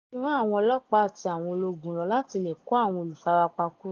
Wọ́n ti rán àwọn ọlọ́pàá àti àwọn ológun lọ láti lè kó àwọn olùfarapa kúrò.